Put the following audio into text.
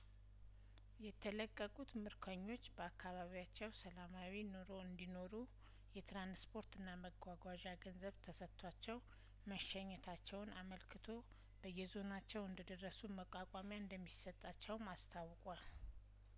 የተለቀቁት ምርኮኞች በአካባቢያቸው ሰላማዊ ኑሮ እንዲኖሩ የትራንስፖርትና መጓጓዣ ገንዘብ ተሰጥቷቸው መሸኘታቸውን አመልክቶ በየዞናቸው እንደደረሱ መቃቋሚያ እንደሚሰጣቸውም አስታውቋል